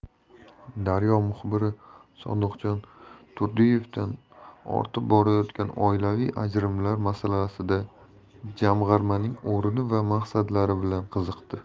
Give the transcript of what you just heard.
daryo muxbiri sodiqjon turdiyevdan ortib borayotgan oilaviy ajrimlar masalasida jamg'armaning o'rni va maqsadlari bilan qiziqdi